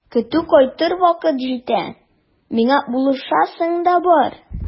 Көтү кайтыр вакыт җитә, миңа булышасың да бар.